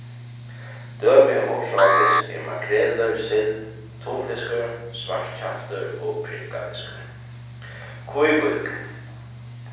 dømi um uppsjóvarfisk eru makrelur sild tunfiskur svartkjaftur og prikkafiskur kvívík